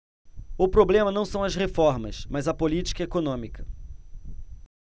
o problema não são as reformas mas a política econômica